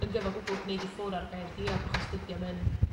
yn gyfan gwbwl gneud i ffwr' a'r gair diog achos dydi o'm yn...